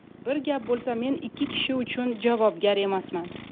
bir gap bo'lsa men ikki kishi uchun javobgar emasman